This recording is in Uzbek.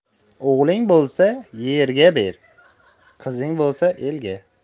o'liging bo'lsa yerga ber qizing bo'lsa elga